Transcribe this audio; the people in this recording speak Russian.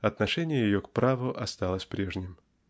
отношение ее к праву осталось прежним.